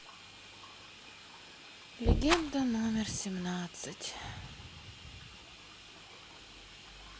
легенда номер семнадцать